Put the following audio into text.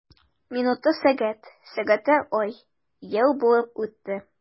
Минуты— сәгать, сәгате— ай, ел булып үтте.